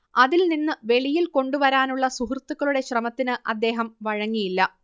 അതിൽ നിന്ന് വെളിയിൽ കൊണ്ടുവരാനുള്ള സുഹൃത്തുക്കളുടെ ശ്രമത്തിന് അദ്ദേഹം വഴങ്ങിയില്ല